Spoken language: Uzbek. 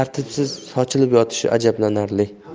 tartibsiz sochilib yotishi ajablanarli